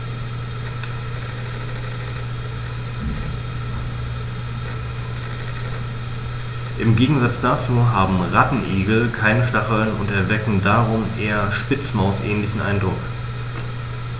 Im Gegensatz dazu haben Rattenigel keine Stacheln und erwecken darum einen eher Spitzmaus-ähnlichen Eindruck.